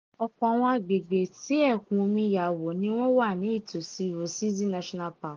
Ọ̀pọ̀ àwọn agbègbè tí ẹ̀kún omi ya wọ̀ ni wọ́n wà ní ìtòsí Rusizi National Park.